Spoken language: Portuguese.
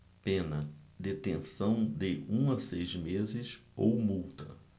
pena detenção de um a seis meses ou multa